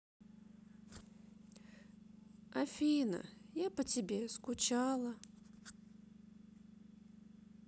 афина я по тебе скучала